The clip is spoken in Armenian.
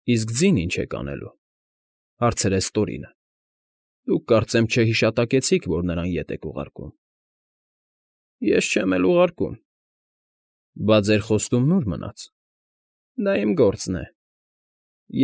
Իսկ ձին ի՞նչ եք անելու,֊ հարցրեց Տորինը։֊ Դուք, կարծեմ, չհիշատակեցիք, որ նրան ետ եք ուղարկում։ ֊ Ես չեմ էլ ուղարկում։ ֊ Բա ձեր խոստումն ո՞ւր մնաց։ ֊ Դա իմ գործն է։